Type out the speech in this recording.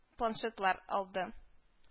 Планшетлар алды